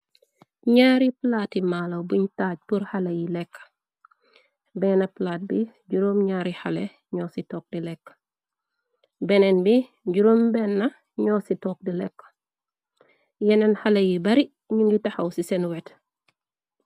Nyaari palaati màalaw buñ taaj pur xale yi lekka benne palaat bi juróom ñyaari xale ñoo ci tokk di lekke beneen bi juróom benna ñoo ci tokk di lekke yeneen xale yi bari ñu ngi taxaw ci seen wet.